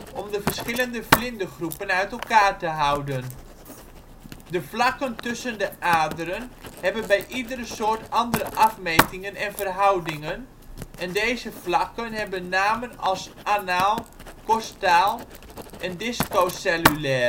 om de verschillende vlindergroepen uit elkaar te houden. De vlakken tussen de aderen hebben bij iedere soort andere afmetingen en verhoudingen en deze vlakken hebben namen als anaal, costaal en discocellulair